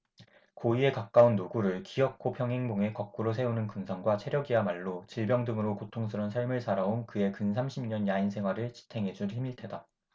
고희에 가까운 노구를 기어코 평행봉에 거꾸로 세우는 근성과 체력이야말로 질병 등으로 고통스런 삶을 살아온 그의 근 삼십 년 야인 생활을 지탱해준 힘일 테다